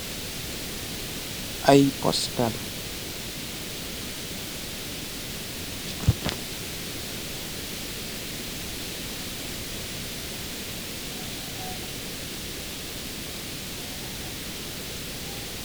Aye postal